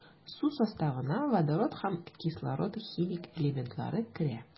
Су составына водород һәм кислород химик элементлары керә.